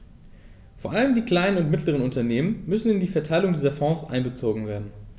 Vor allem die kleinen und mittleren Unternehmer müssen in die Verteilung dieser Fonds einbezogen werden.